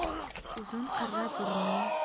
uzun qirra burni